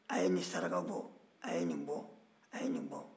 aw ye nin saraka bɔ aw ye nin bɔ aw ye nin bɔ